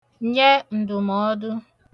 nyẹ ǹdụ̀mọọdụ